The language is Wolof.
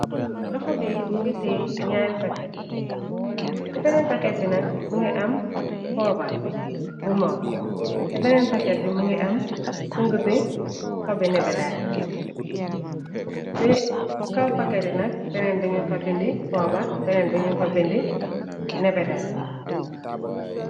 Loho bi mungi tè naari pakèt. Ci benen pakèt bi nak mungi am pobar bu muku. Ci benen pakèt bi mungi am sugu fi nèhbèdëy. Ci kaw pakèt yi nak benen bi nung fa bindi pobar, benen bi nung fa bindi nèhbèdëy.